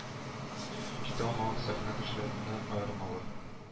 Китә алмаган сәхнәдәшләреннән аермалы